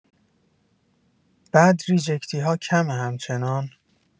بعد ریجکتی‌ها کمه همچنان؟